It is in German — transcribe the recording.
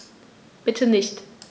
Bitte nicht.